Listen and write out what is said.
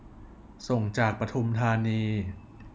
ส่งจากปทุมธานี